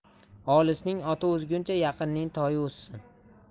olisning oti o'zguncha yaqinning toyi o'zsin